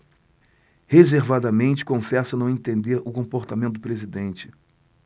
reservadamente confessa não entender o comportamento do presidente